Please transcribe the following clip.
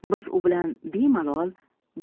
biz u bilan bemalol